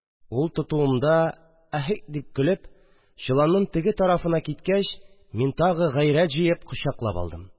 Ул, тотуымда «әһик» дип көлеп, чоланның теге тарафына киткәч, мин, тагы гайрәт җыеп, кочаклап алдым